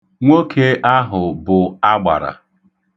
Nwoke ahụ bụ agbara.